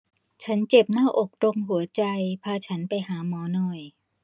ฉันเจ็บหน้าอกตรงหัวใจพาฉันไปหาหมอหน่อย